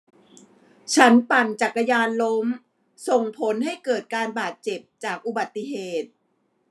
ฉันปั่นจักรยานล้มส่งผลให้เกิดการบาดเจ็บจากอุบัติเหตุ